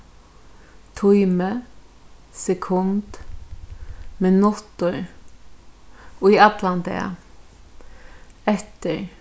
tími sekund minuttur í allan dag eftir